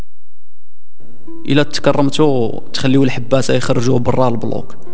اذا تكرمت و تخلي والعباس يخرجوا بالغلط